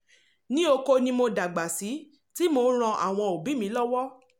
Ní oko ni mo dàgbà sí, tí mò ń ran àwọn òbí mi lọ́wọ́.